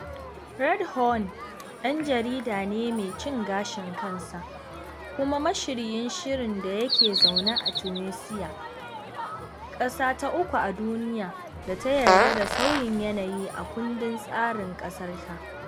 Radhouane ɗan jarida ne mai cin gashin kansa kuma mashiryin shiri da yake zaune a Tunisia, ƙasa ta uku a duniya da ta yarda da sauyin yanayi a kundin tsarin ƙasarta.